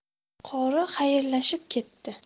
qori xayrlashib ketdi